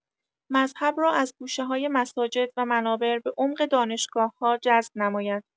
مذهب را از گوشه‌های مساجد و منابر به عمق دانشگاه‌‌ها جذب نماید.